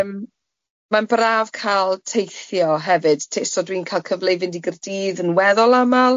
yym ma'n braf cael teithio hefyd, te- so dwi'n cael cyfle i fynd i Gardydd yn weddol amal.